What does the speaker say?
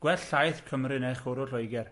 Gwell llaeth Cymru neu chwrw Lloegr.